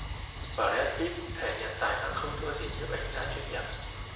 brad pitt thể hiện tài năng không thua gì nhiếp ảnh gia chuyên nghiệp